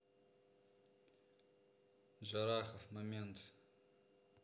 джарахов момент